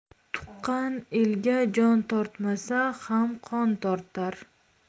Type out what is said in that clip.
tuqqan elga jon tortmasa ham qon tortar